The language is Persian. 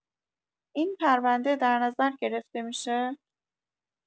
این پرونده در نظر گرفته می‌شه؟